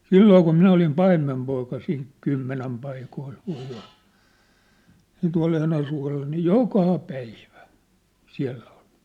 silloin kun minä olin paimenpoika siinä kymmenen paikoilla voi olla ja tuolla Enäsuolla niin joka päivä siellä oli